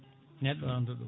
neɗɗo o anda ɗum